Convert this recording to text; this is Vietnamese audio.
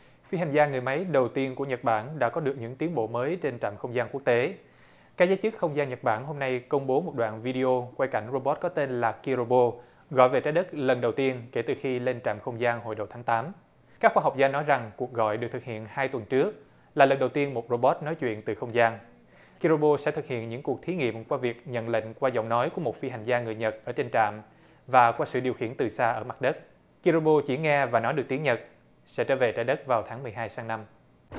phi hành gia người máy đầu tiên của nhật bản đã có được những tiến bộ mới trên trạm không gian quốc tế các giới chức không gian nhật bản hôm nay công bố một đoạn vi đi ô quay cảnh rô bốt có tên là ki rô bô gọi về trái đất lần đầu tiên kể từ khi lên trạm không gian hồi đầu tháng tám các khoa học gia nói rằng cuộc gọi được thực hiện hai tuần trước là lần đầu tiên một rô bốt nói chuyện từ không gian ki rô bô sẽ thực hiện những cuộc thí nghiệm qua việc nhận lệnh qua giọng nói của một phi hành gia người nhật ở trên trạm và qua sự điều khiển từ xa ở mặt đất ki rô bô chỉ nghe và nói được tiếng nhật sẽ trở về trái đất vào tháng mười hai sang năm